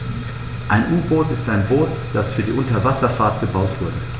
Ein U-Boot ist ein Boot, das für die Unterwasserfahrt gebaut wurde.